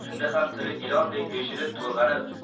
shunda ham tili ilonday eshilib to'lg'anib